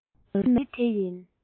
ཚོར བའི ནག རིས དེ ཡིན